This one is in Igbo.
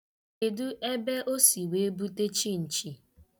Kedu ebe o si wee bute chịnchị?